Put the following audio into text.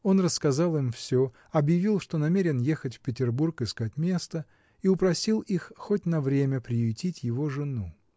Он рассказал им все, объявил, что намерен ехать в Петербург искать места, и упросил их хоть на время приютить его жену.